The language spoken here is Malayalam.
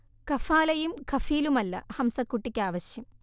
ഖഫാലയും ഖഫീലുമല്ല ഹംസകുട്ടിക്കാവശ്യം